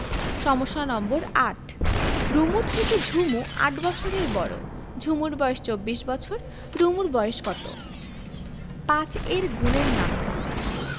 ৮ রুমুর থেকে ঝুমু ৮ বছরের বড় ঝুমুর বয়স ২৪ বছর রুমুর বয়স কত ৫ এর গুণের নামতা